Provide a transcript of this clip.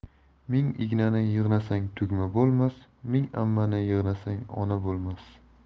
ming ignani yig'nasang tugma bo'lmas ming ammani yig'nasang ona bo'lmas